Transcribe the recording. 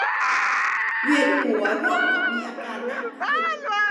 เวียนหัวร่วมกับมีอาการหน้ามืด